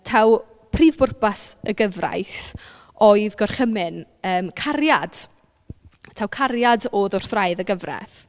Taw prif bwrpas y gyfraith oedd gorchymyn yym cariad taw cariad oedd wrth wraidd y gyfraith.